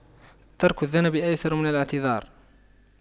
ترك الذنب أيسر من الاعتذار